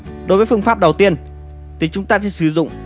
đối với phương pháp thì chúng ta sẽ sử dụng baking soda